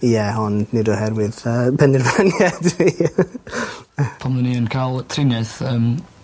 Ie ond nid oherwydd yy penderfyniad fi. Pan o'n i yn ca'l triniaeth yn